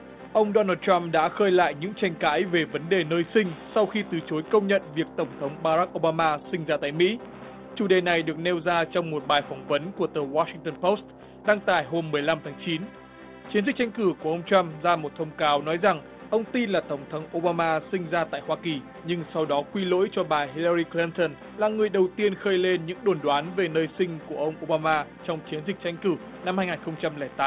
ông đô nờ trăm đã khơi lại những tranh cãi về vấn đề nơi sinh sau khi từ chối công nhận việc tổng thống ba rắc ô ba ma sinh ra tại mỹ chủ đề này được nêu ra trong một bài phỏng vấn của tờ wa sinh tơn bốt đăng tải hôm mười lăm tháng chín chiến dịch tranh cử của ông trăm ra một thông cáo nói rằng ông tin là tổng thống ô ba ma sinh ra tại hoa kỳ nhưng sau đó quy lỗi cho bà hi la ri cờ lin từn là người đầu tiên khơi lên những đồn đoán về nơi sinh của ông ô ba ma trong chiến dịch tranh cử năm hai nghìn không trăm lẻ tám